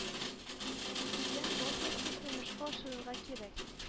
Дигән лозунгны тормышка ашырырга кирәк